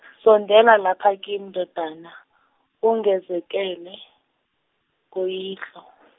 sondela lapha kimi ndodana, ungizekele, ngoyihlo.